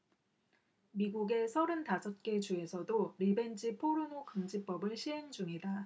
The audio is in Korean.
미국의 서른 다섯 개 주에서도 리벤지 포르노 금지법을 시행중이다